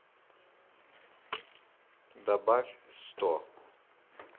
добавь сто